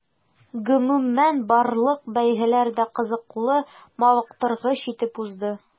Гомумән, барлык бәйгеләр дә кызыклы, мавыктыргыч итеп узды.